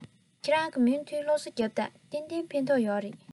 ཁྱེད རང གིས མུ མཐུད སློབ གསོ རྒྱོབས དང གཏན གཏན ཕན ཐོགས ཀྱི རེད